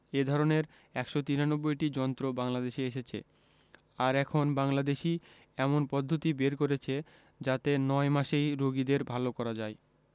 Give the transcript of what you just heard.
এ ধরনের ১৯৩টি যন্ত্র বাংলাদেশে এসেছে আর এখন বাংলাদেশই এমন পদ্ধতি বের করেছে যাতে ৯ মাসেই রোগীদের ভালো করা যায়